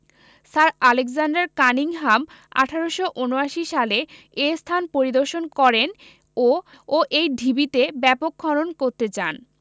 sir Alexander Cunningham ১৮৭৯ সালে এ স্থান পরিদর্শন করেন ও ও এই ঢিবিতে ব্যাপক খনন করতে চান